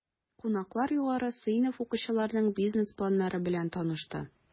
Кунаклар югары сыйныф укучыларының бизнес планнары белән танышты.